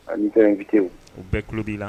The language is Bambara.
Ani fɛnfite u bɛɛ tulo b' la